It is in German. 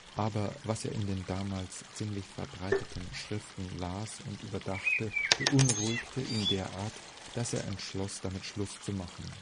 Aber was er in den damals ziemlich verbreiteten Schriften las und überdachte, beunruhigte ihn derart, dass er entschlossen damit Schluss machte